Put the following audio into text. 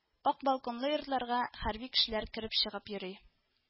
Ак балконлы йортларга хәрби кешеләр кереп-чыгып йөри